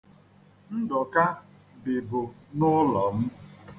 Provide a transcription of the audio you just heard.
Ndụka bibu n'ụlọ m.